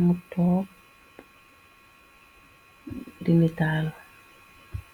mu toop rinitaalu.